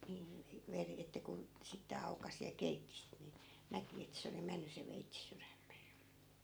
niin veri että kun sitten aukaisi ja keitti sitten niin näki että se oli mennyt se veitsi sydämeen